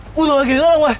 úi dồi ôi ghế ướt ông ơi